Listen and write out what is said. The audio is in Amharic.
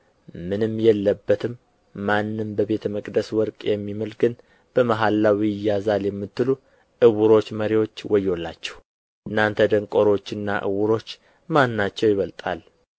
ምንም የለበትም ማንም በቤተ መቅደስ ወርቅ የሚምል ግን በመሐላው ይያዛል የምትሉ ዕውሮች መሪዎች ወዮላችሁ እናንተ ደንቆሮዎችና ዕውሮች ማናቸው ይበልጣል